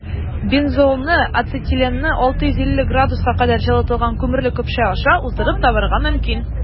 Бензолны ацетиленны 650 С кадәр җылытылган күмерле көпшә аша уздырып табарга мөмкин.